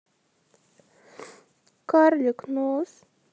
карлик нос